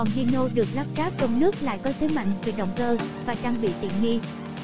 còn hino được lắp ráp trong nước lại có thế mạnh về động cơ và trang bị tiện nghi